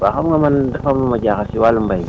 waa xam nga man dafa am lu ma jaaxal si wàllu mbay mi